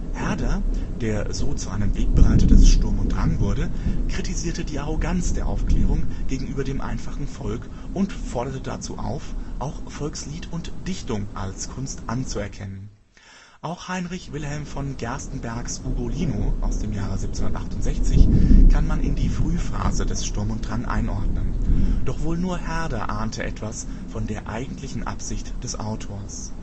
Herder, der so zu einem Wegbereiter des Sturm und Drang wurde, kritisierte die Arroganz der Aufklärung gegenüber dem einfachen Volk und forderte dazu auf, auch Volkslied und - dichtung als Kunst anzuerkennen. Auch Heinrich Wilhelm von Gerstenbergs Ugolino (1768) kann man in die Frühphase des Sturm und Drang einordnen, doch wohl nur Herder ahnte etwas von der eigentlichen Absicht des Autors